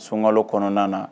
Sunkala kɔnɔna na